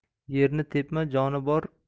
yerni tepma joni bor